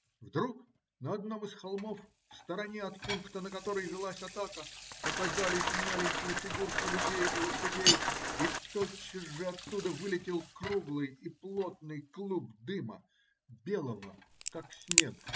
Вдруг на одном из холмов, в стороне от пункта, на который велась атака, показались маленькие фигурки людей и лошадей, и тотчас же оттуда вылетел круглый и плотный клуб дыма, белого, как снег.